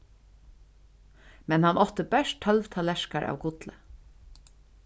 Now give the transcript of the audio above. men hann átti bert tólv tallerkar av gulli